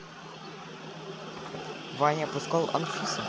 ваня пускал анфиса